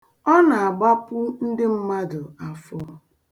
Ọ na-agbapu ndị mmadụ afọ.